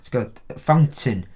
Ti'n gwybod; Fountain.